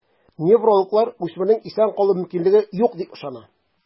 Неврологлар үсмернең исән калу мөмкинлеге юк диеп ышана.